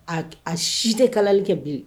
A si tɛ kalali kɛ bere